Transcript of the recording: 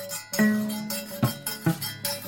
Sanunɛ